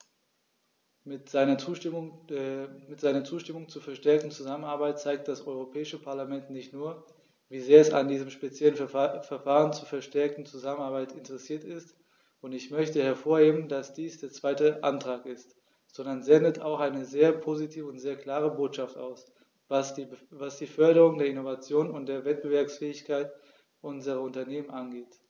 Mit seiner Zustimmung zur verstärkten Zusammenarbeit zeigt das Europäische Parlament nicht nur, wie sehr es an diesem speziellen Verfahren zur verstärkten Zusammenarbeit interessiert ist - und ich möchte hervorheben, dass dies der zweite Antrag ist -, sondern sendet auch eine sehr positive und sehr klare Botschaft aus, was die Förderung der Innovation und der Wettbewerbsfähigkeit unserer Unternehmen angeht.